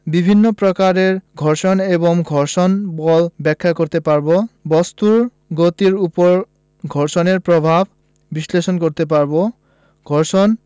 বিভিন্ন প্রকার ঘর্ষণ এবং ঘর্ষণ বল ব্যাখ্যা করতে পারব বস্তুর গতির উপর ঘর্ষণের প্রভাব বিশ্লেষণ করতে পারব ঘর্ষণ